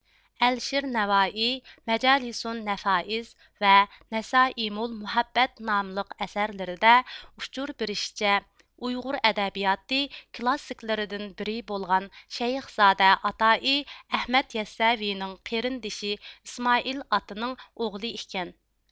ئەلىشىر نەۋائى مەجالىسۇن نەفائىس ۋە نەسائىمۇل مۇھەببەت ناملىق ئەسەرلىرىدە ئۇچۇر بېرىشىچە ئۇيغۇر ئەدەبىياتى كلاسسىكلىرىدىن بىرى بولغان شەيىخزادە ئاتائى ئەھمەد يەسسەۋىنىڭ قېرىندىشى ئىسمائىل ئاتىنىڭ ئوغلى ئىكەن